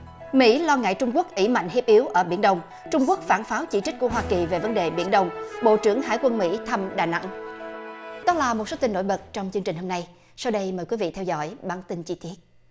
mỹ lo ngại trung quốc ỷ mạnh hiếp yếu ở biển đông trung quốc phản pháo chỉ trích của hoa kỳ về vấn đề biển đông bộ trưởng hải quân mỹ thăm đà nẵng đó là một số tin nổi bật trong chương trình hôm nay sau đây mời quý vị theo dõi bản tin chi tiết